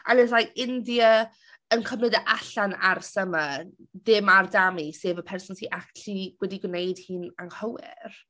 and it was like India yn cymryd e allan ar Summer ddim ar Dami sef y person sy acshyli wedi gwneud hi'n anghywir.